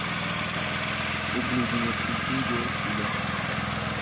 ублюдина включи егора крида